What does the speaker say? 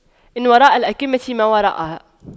إن وراء الأَكَمةِ ما وراءها